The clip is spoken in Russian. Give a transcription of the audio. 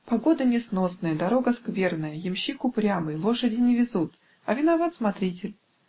Погода несносная, дорога скверная, ямщик упрямый, лошади не везут -- а виноват смотритель.